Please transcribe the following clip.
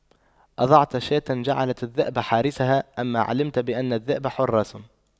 أضعت شاة جعلت الذئب حارسها أما علمت بأن الذئب حراس